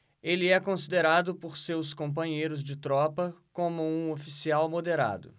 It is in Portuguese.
ele é considerado por seus companheiros de tropa como um oficial moderado